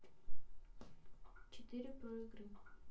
четыре про игры